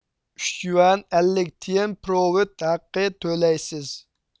ئۈچ يۈەن ئەللىك تىيىن پېرېۋوت ھەققى تۆلەيسىز